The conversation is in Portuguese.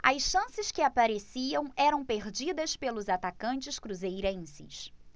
as chances que apareciam eram perdidas pelos atacantes cruzeirenses